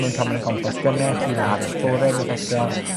mewn tomen gompos gynnes i ladd y sbore wnweth eto.